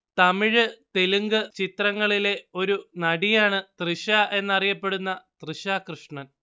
തമിഴ് തെലുങ്ക് ചിത്രങ്ങളിലെ ഒരു നടിയാണ് തൃഷ എന്നറിയപ്പെടുന്ന തൃഷ കൃഷ്ണൻ